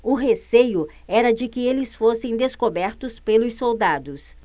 o receio era de que eles fossem descobertos pelos soldados